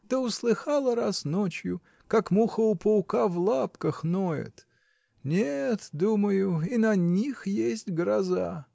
да услыхала раз ночью, как муха у паука в лапках ноет, -- нет, думаю, и на них есть гроза.